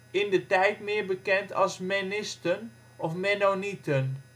indertijd meer bekend als Menisten of Mennonieten